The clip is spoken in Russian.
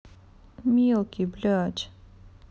мелкий блядь